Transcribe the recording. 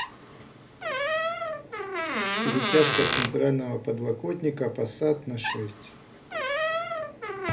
перетяжка центрального подлокотника посад на шесть